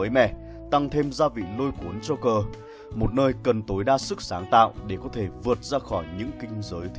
tăng thêm gia vị lôi cuốn cho cờ một nơi cần tối đa sáng tạo để vượt ra khỏi những kinh giới thiên luân